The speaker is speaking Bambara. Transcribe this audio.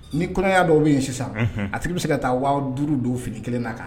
Ni kɔɲɔya dɔw bɛ yen sisan, unhun, tigi bɛ se ka taa wa duuru don fini kelen na kan